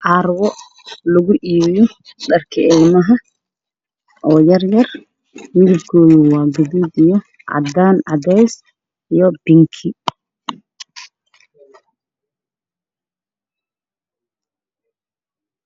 Waa carwo lagu iibiyo dharka ilmaha